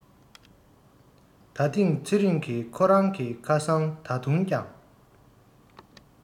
ད ཐེངས ཚེ རིང ཁོ རང གི ཁ སང ད དུང ཀྱང